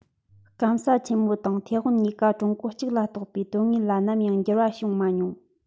སྐམ ས ཆེན མོ དང ཐའེ ཝན གཉིས ཀ ཀྲུང གོ གཅིག ལ གཏོགས པའི དོན དངོས ལ ནམ ཡང འགྱུར བ འབྱུང མ མྱོང